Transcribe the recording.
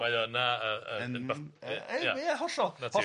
mae o yna yy yy yn fath- yy... Ia hollol hollol...